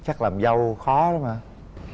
chắc làm dâu khó lắm hả